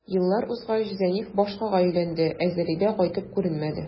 Еллар узгач, Зәниф башкага өйләнде, ә Зәлидә кайтып күренмәде.